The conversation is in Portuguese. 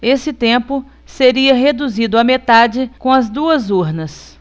esse tempo seria reduzido à metade com as duas urnas